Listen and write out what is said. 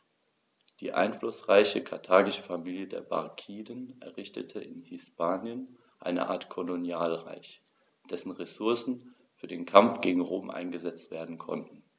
Die einflussreiche karthagische Familie der Barkiden errichtete in Hispanien eine Art Kolonialreich, dessen Ressourcen für den Kampf gegen Rom eingesetzt werden konnten.